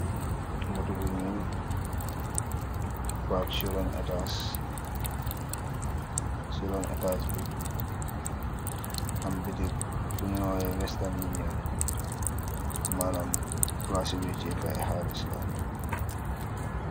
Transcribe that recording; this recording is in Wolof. Motu buñu nuul park suron etals bi am bitik buñu owe western union manam plaaci wecekaay xaalis la.